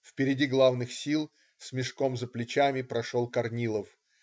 Впереди главных сил, с мешком за плечами, прошел Корнилов.